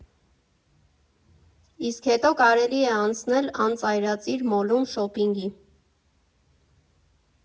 Իսկ հետո կարելի է անցնել անծայրածիր մոլում շոփինգի։